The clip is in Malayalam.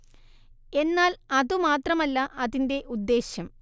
എന്നാൽ അതു മാത്രമല്ല അതിന്റെ ഉദ്ദേശ്യം